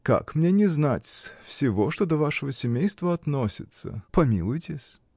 Как мне не знать-с всего, что до вашего семейства относится? Помилуйте-с.